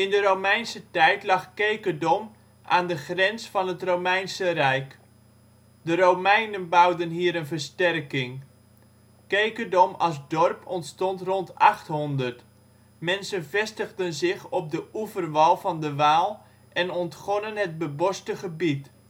de Romeinse tijd lag Kekerdom aan de grens van het Romeinse Rijk. De Romeinen bouwden hier een versterking. Kekerdom als dorp ontstond rond 800. Mensen vestigden zich op de oeverwal van de Waal en ontgonnen het beboste gebied